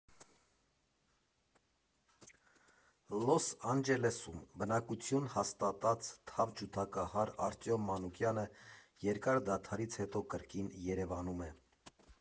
Լոս Անջելեսում բնակություն հաստատած թավջութակահար Արտյոմ Մանուկյանը երկար դադարից հետո կրկին Երևանում է։